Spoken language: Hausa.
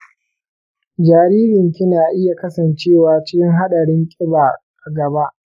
jaririn ki na iya kasancewa cikin haɗarin ƙiba a gaba.